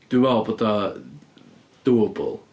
Dwi'n meddwl bod o'n doable.